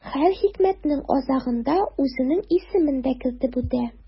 Һәр хикмәтнең азагында үзенең исемен дә кертеп үтә.